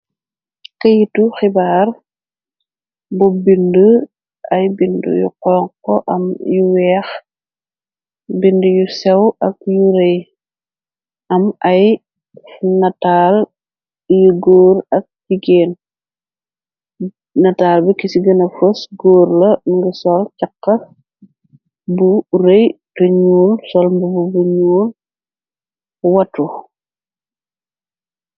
Keyitu xibaar, bu bind ay bind yu xonxo am yu weex, bind yu sew ak yu rey, am ay nataal yu góor ak jigeen, nataal bi ki ci gëna fos góor la, mingi sol cax bu rëy te nuul, sol mbubu bu ñuul, watu.